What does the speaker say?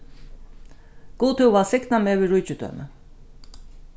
gud hevur vælsignað meg við ríkidømi